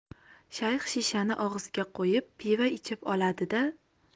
shayx shishani og'ziga qo'yib pivo ichib oladi da